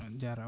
on jarama